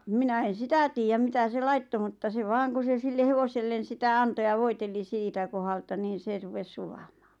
minä en sitä tiedä mitä se laittoi mutta se vain kun se sille hevoselle sitä antoi ja voiteli siitä kohdalta niin se rupesi sulamaan